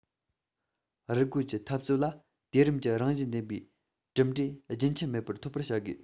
རུལ རྒོལ གྱི འཐབ རྩོད ལ དུས རིམ གྱི རང བཞིན ལྡན པའི གྲུབ འབྲས རྒྱུན ཆད མེད པར འཐོབ པ བྱ དགོས